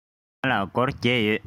ང ལ སྒོར བརྒྱད ཡོད